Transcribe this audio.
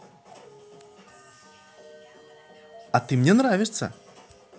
а ты мне нравится